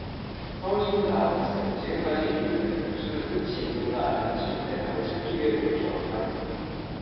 서울신문 나우뉴스 지금까지 인류는우주는 끝이 있는가 라는 질문의 답을 찾기 위해 노력해왔다